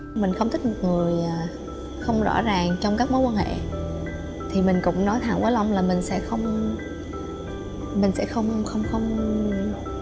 mình không thích người không rõ ràng trong các mối quan hệ thì mình cũng nói thẳng với long là mình sẽ không mình sẽ không không không